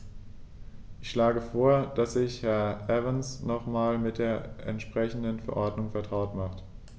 Ich schlage vor, dass sich Herr Evans nochmals mit der entsprechenden Verordnung vertraut macht.